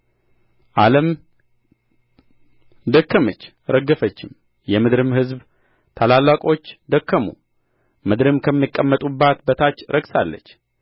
ዓለም ደከመች ረገፈችም የምድርም ሕዝብ ታላላቆች ደከሙ ምድርም ከሚቀመጡባት በታች ረክሳለች